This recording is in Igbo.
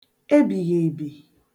ebìghìèbì